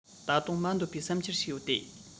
ད དུང མ འདོད པའི བསམ འཆར ཞིག ཡོད དེ